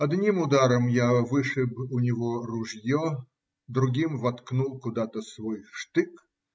Одним ударом я вышиб у него ружье, другим воткнул куда-то свой штык.